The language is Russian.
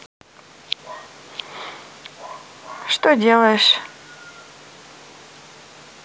что делаешь